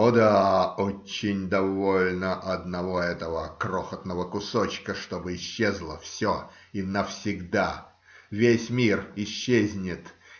О да, очень довольно одного этого крохотного кусочка, чтобы исчезло все и навсегда. Весь мир исчезнет